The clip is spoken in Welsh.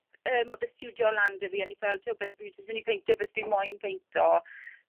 yym odd y stiwdio lan 'da fi o'n i ffel t'wod beth wi jyst myn' i peinto beth fi moyn peinto.